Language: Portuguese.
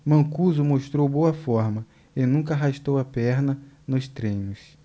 mancuso mostrou boa forma e nunca arrastou a perna nos treinos